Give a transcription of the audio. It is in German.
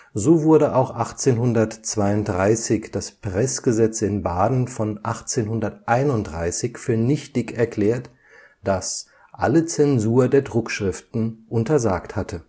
So wurde auch 1832 das Preßgesetz in Baden von 1831 für nichtig erklärt, das „ alle Censur der Druckschriften “untersagt hatte